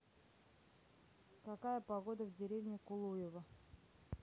какая погода в деревне кулуево